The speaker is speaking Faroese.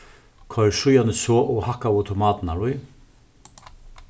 koyr síðani soð og hakkaðu tomatirnar í